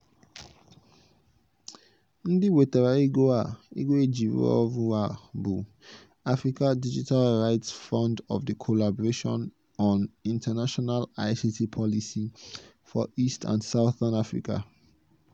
Ndị wetara ego e ji rụọ ọrụ a bụ Africa Digital Rights Fund of The Collaboration on International ICT Policy for East and Southern Africa.